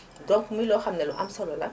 donc muy loo xam ni lu am solo la